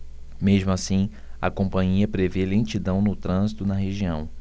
mesmo assim a companhia prevê lentidão no trânsito na região